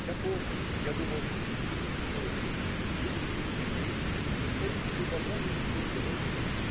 Я помню, я думал: "истинная жизнь любящих людей состоит в любовании друг другом".